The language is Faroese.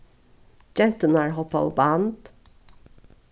genturnar hoppaðu band